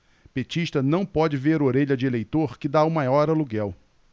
petista não pode ver orelha de eleitor que tá o maior aluguel